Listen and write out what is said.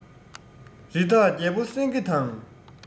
རི དྭགས རྒྱལ པོ སེང གེ དང